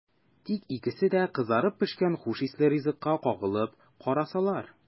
Тик икесе дә кызарып пешкән хуш исле ризыкка кагылып карасалар!